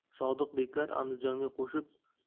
sodiq beklar andijonga qo'shib